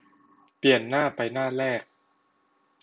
เปลี่ยนหน้าไปหน้าแรก